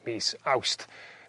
mis Awst.